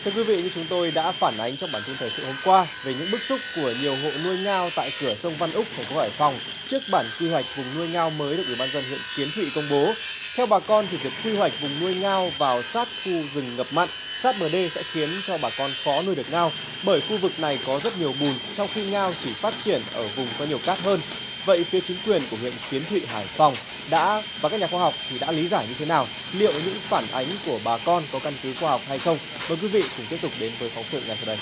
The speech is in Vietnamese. thưa quý vị như chúng tôi đã phản ánh trong bản tin thời sự hôm qua về những bức xúc của nhiều hộ nuôi ngao tại cửa sông văn úc thành phố hải phòng trước bản quy hoạch vùng nuôi ngao mới được ủy ban dân huyện kiến thụy công bố theo bà con thì việc quy hoạch vùng nuôi ngao vào sát khu rừng ngập mặn sát bờ đê sẽ khiến cho bà con khó nuôi được ngao bởi khu vực này có rất nhiều bùn trong khi ngao chỉ phát triển ở vùng có nhiều cát hơn vậy phía chính quyền của huyện kiến thụy hải phòng đã và các nhà khoa học thì đã lý giải như thế nào liệu những phản ánh của bà con có căn cứ khoa học hay không mời quý vị cùng tiếp tục đến với phóng sự ngay sau đây